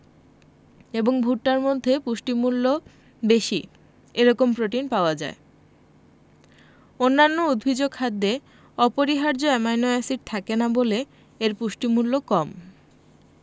এবং ভুট্টার মধ্যে পুষ্টিমূল্য বেশি এরকম প্রোটিন পাওয়া যায় অন্যান্য উদ্ভিজ্জ খাদ্যে অপরিহার্য অ্যামাইনো এসিড থাকে না বলে এদের পুষ্টিমূল্য কম